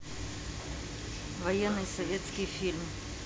военный советский фильм